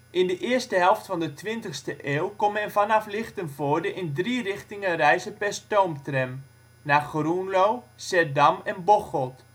In de eerste helft van de 20e eeuw kon men tot vanaf Lichtenvoorde in drie richtingen reizen per stoomtram, naar Groenlo, Zeddam en Bocholt